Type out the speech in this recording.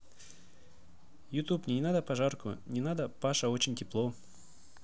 youtube мне не надо пожарку не надо паша очень тепло